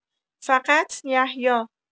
فقط یحیی